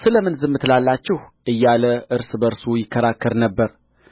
ስለምን ዝም ትላላችሁ እያለ እርስ በርሱ ይከራከር ነበር